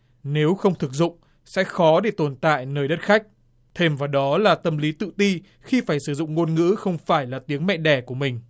nếu không thực dụng sẽ khó để tồn tại nơi đất khách thêm vào đó là tâm lý tự ti khi phải sử dụng ngôn ngữ không phải là tiếng mẹ đẻ của mình